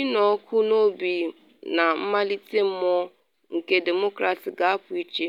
“Ịnụ ọkụ n’obi na mkpalite mmụọ nke Demokrat ga-apụ iche,”